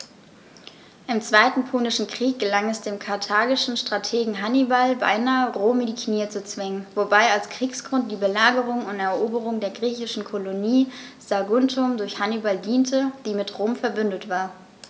Im Zweiten Punischen Krieg gelang es dem karthagischen Strategen Hannibal beinahe, Rom in die Knie zu zwingen, wobei als Kriegsgrund die Belagerung und Eroberung der griechischen Kolonie Saguntum durch Hannibal diente, die mit Rom „verbündet“ war.